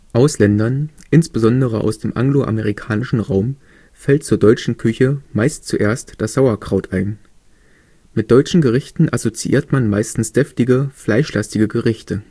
Ausländern, insbesondere aus dem anglo-amerikanischen Raum, fällt zur deutschen Küche meist zuerst das Sauerkraut ein. Mit deutschen Gerichten assoziiert man meistens deftige, fleischlastige Gerichte